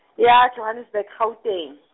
ya Johannesburg Gauteng.